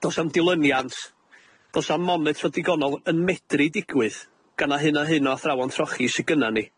Do's 'a'm dilyniant, do's 'a'm monitro digonol yn medru digwydd, gan na hyn a hyn o athrawon trochi sy gynnan ni.